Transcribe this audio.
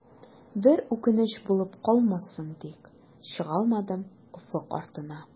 Бер үкенеч булып калмассың тик, чыгалмадым офык артына.